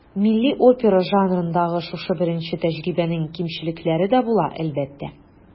Милли опера жанрындагы шушы беренче тәҗрибәнең кимчелекләре дә була, әлбәттә.